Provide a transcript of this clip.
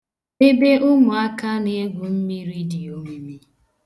Ebe ụmụaka na-egwu mmiri dị omimi.